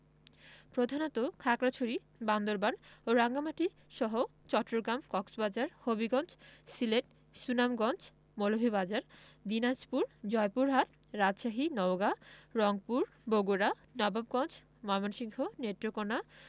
প্রধানত খাগড়াছড়ি বান্দরবান ও রাঙ্গামাটিসহ চট্টগ্রাম কক্সবাজার হবিগঞ্জ সিলেট সুনামগঞ্জ মৌলভীবাজার দিনাজপুর জয়পুরহাট রাজশাহী নওগাঁ রংপুর বগুড়া নবাবগঞ্জ ময়মনসিংহ নেত্রকোনা